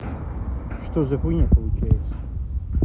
что за хуйня получается